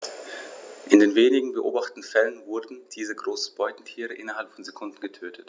In den wenigen beobachteten Fällen wurden diese großen Beutetiere innerhalb von Sekunden getötet.